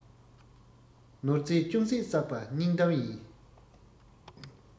ནོར རྫས ཅུང ཟད བསགས པ སྙིང གཏམ ཡིན